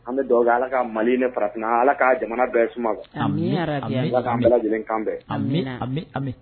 An bɛ duawu kɛ, ala ka Mali ni farafina, ala ka jamana bɛɛ suma koi, amiina yarabi, amii, amii, ala ka an bɛɛ lajɛlen kan bɛɛ, amiina, amii, amii.